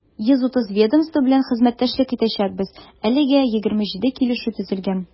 130 ведомство белән хезмәттәшлек итәчәкбез, әлегә 27 килешү төзелгән.